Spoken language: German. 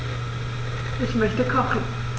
Ich möchte kochen.